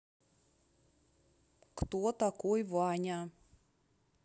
кто такой ваня